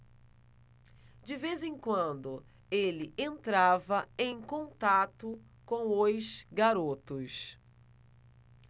de vez em quando ele entrava em contato com os garotos